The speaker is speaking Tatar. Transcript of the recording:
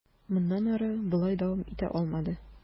Моннан ары болай дәвам итә алмады.